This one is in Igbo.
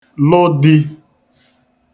lụ di